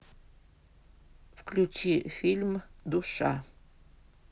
включи фильм душа